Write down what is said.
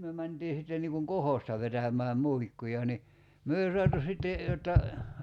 me mentiin sitten niin kuin kohosta vetämään muikkuja niin me ei saatu sitten jotta